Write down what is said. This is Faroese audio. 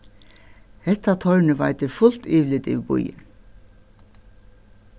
hetta tornið veitir fult yvirlit yvir býin